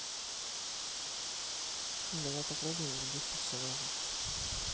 давай попробуем других персонажей